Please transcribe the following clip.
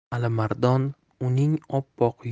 alimardon uning oppoq